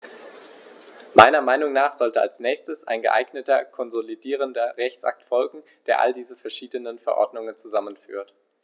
Meiner Meinung nach sollte als nächstes ein geeigneter konsolidierender Rechtsakt folgen, der all diese verschiedenen Verordnungen zusammenführt.